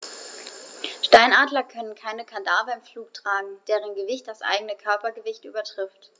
Steinadler können keine Kadaver im Flug tragen, deren Gewicht das eigene Körpergewicht übertrifft.